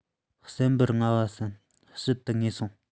བསམ པར ང ལ སྲིད ཕྱེད དུ ངུས སོང